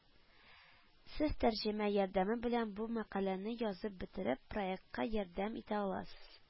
Сез тәрҗемә ярдәме белән бу мәкаләне язып бетереп проектка ярдәм итә аласыз